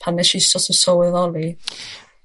pan nesh i so't of sylweddoli.